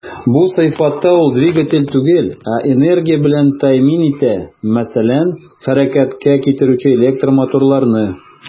Бу сыйфатта ул двигатель түгел, ә энергия белән тәэмин итә, мәсәлән, хәрәкәткә китерүче электромоторларны.